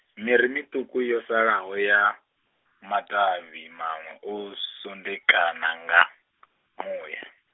miri miṱuku yo sala ya, matavhi manwe o vunḓekana nga, muya.